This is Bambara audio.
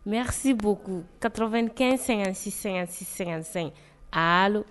Mɛsibo karɔ2kɛ sɛgɛn-sɛ-sɛ-sɛ hali